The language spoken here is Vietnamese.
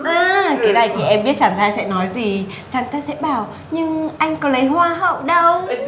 a cái này thì em biết chàng trai sẽ nói gì chàng trai sẽ bảo nhưng anh có lấy hoa hậu đâu